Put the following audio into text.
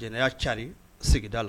Jɛnɛya cari sigida la